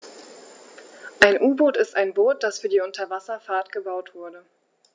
Ein U-Boot ist ein Boot, das für die Unterwasserfahrt gebaut wurde.